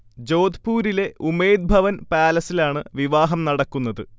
ജോഥ്പൂരിലെ ഉമൈദ് ഭവൻ പാലസിലാണ് വിവാഹം നടക്കുന്നത്